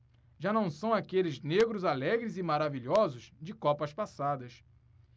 já não são aqueles negros alegres e maravilhosos de copas passadas